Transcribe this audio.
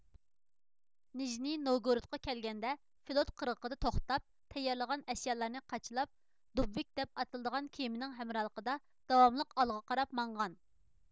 نىژنى نوۋگورودقا كەلگەندە فلوت قىرغىقىدا توختاپ تەييارلىغان ئەشيالارنى قاچىلاپ دۇبۋىك دەپ ئاتىلىدىغان كېمىنىڭ ھەمراھلىقىدا داۋاملىق ئالغا قاراپ ماڭغان